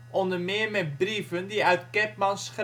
onder meer met brieven die uit Kettmanns